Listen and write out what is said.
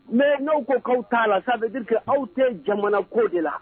Mɛ n'aw ko k'aw t'a la k'a bɛ deli aw tɛ jamana ko de la